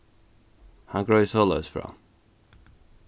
hann greiðir soleiðis frá